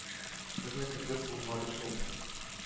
Көзне көтеп булмады шул